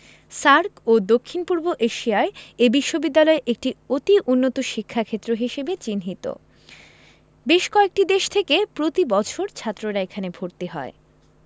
SAARC ও দক্ষিণ পূর্ব এশীয়ায় এই বিশ্ববিদ্যালয় একটি অতি উন্নত শিক্ষাক্ষেত্র হিসেবে চিহ্নিত বেশ কয়েকটি দেশ থেকে প্রতিবছর ছাত্ররা এখানে ভর্তি হয়